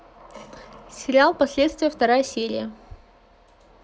сериал последствия вторая серия